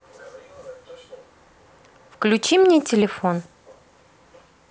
включи мне телефон